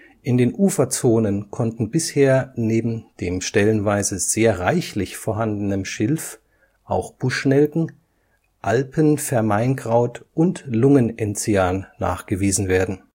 In den Uferzonen konnten bisher neben dem stellenweise sehr reichlich vorhandenem Schilf auch Busch-Nelken, Alpen-Vermeinkraut und Lungenenzian nachgewiesen werden